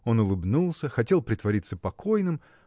Он улыбнулся, хотел притвориться покойным.